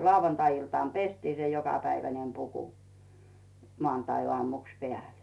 lauantai-iltana pestiin se jokapäiväinen puku maanantaiaamuksi päälle